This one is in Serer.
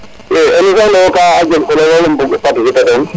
i émission ne wo ka jeg solo bu u participer ten